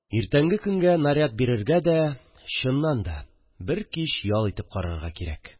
Иртәнге көнгә наряд бирергә дә, чыннан да, бер кич ял итеп карарга кирәк